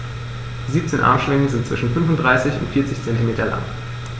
Die 17 Armschwingen sind zwischen 35 und 40 cm lang.